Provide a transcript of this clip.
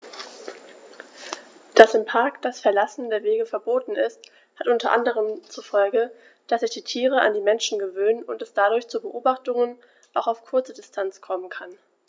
Dass im Park das Verlassen der Wege verboten ist, hat unter anderem zur Folge, dass sich die Tiere an die Menschen gewöhnen und es dadurch zu Beobachtungen auch auf kurze Distanz kommen kann.